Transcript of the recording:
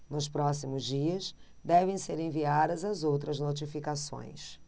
nos próximos dias devem ser enviadas as outras notificações